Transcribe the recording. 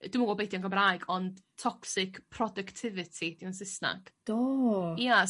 ydwi'm yn gwybod be' 'di yn Gymraeg ond toxic productivity 'di o yn Sysnag. Do. Ia.